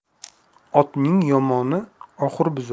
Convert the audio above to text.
otning yomoni oxur buzar